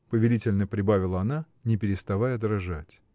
— повелительно прибавила она, не переставая дрожать.